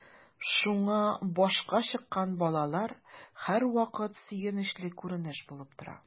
Шуңа “башка чыккан” балалар һәрвакыт сөенечле күренеш булып тора.